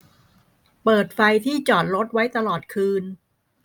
เปิดไฟที่จอดรถไว้ตลอดคืน